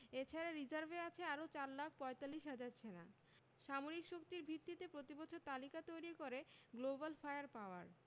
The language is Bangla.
এ ছাড়া রিজার্ভে আছে আরও ৪ লাখ ৪৫ হাজার সেনা সামরিক শক্তির ভিত্তিতে প্রতিবছর তালিকা তৈরি করে গ্লোবাল ফায়ার পাওয়ার